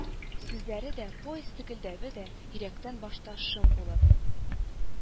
Сүзләре дә, поезд текелдәве дә, йөрәктән башта шом булып